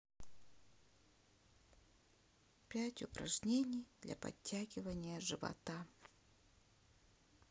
пять упражнений для подтягивания живота